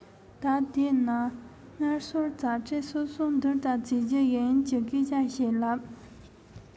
ད དེས ན སྔ སོར བྱ སྤྲེལ སོ སོར འདི ལྟར བྱེད རྒྱུ ཡིན གྱི སྐད ཆ ཞིག ལབ